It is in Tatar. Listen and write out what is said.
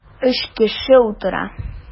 Өч кеше утыра.